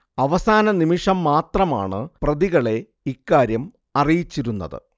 അവസാന നിമിഷം മാത്രമാണ് പ്രതികളെ ഇക്കാര്യം അറിയിച്ചിരുന്നത്